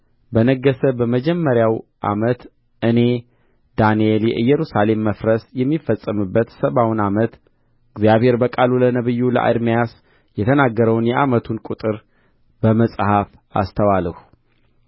በነገሠ በመጀመሪያው ዓመት እኔ ዳንኤል የኢየሩሳሌም መፍረስ የሚፈጸምበትን ሰባውን ዓመት እግዚአብሔር በቃሉ ለነቢዩ ለኤርምያስ የተናገረውን የዓመቱን ቍጥር በመጽሐፍ አስተዋልሁ